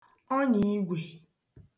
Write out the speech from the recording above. ọnyàigwè